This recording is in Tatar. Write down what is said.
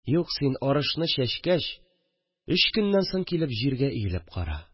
Юк, син, арышны чәчкәч, өч көннән соң килеп җиргә иелеп кара